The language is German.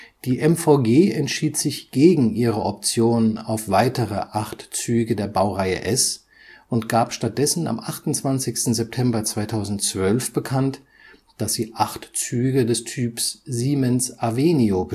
Die MVG entschied sich gegen ihre Option auf weitere acht Züge der Baureihe S und gab stattdessen am 28. September 2012 bekannt, dass sie acht Züge des Typs Siemens Avenio